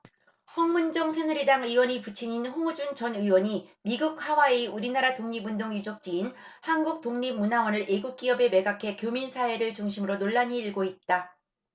홍문종 새누리당 의원의 부친인 홍우준 전 의원이 미국 하와이의 우리나라 독립운동 유적지인 한국독립문화원을 외국 기업에 매각해 교민 사회를 중심으로 논란이 일고 있다